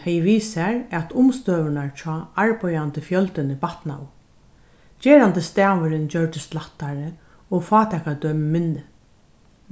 hevði við sær at umstøðurnar hjá arbeiðandi fjøldini batnaðu gerandisdagurin gjørdist lættari og fátækadømi minni